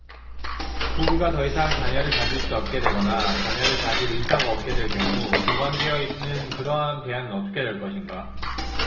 부부가 더 이상 자녀를 가질 수 없게 되거나 자녀를 가질 의사가 없게 될 경우 보관되어 있는 그러한 배아는 어떻게 될 것인가